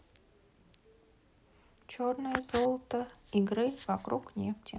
черное золото игры вокруг нефти